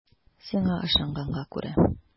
Сиңа ышанганга күрә.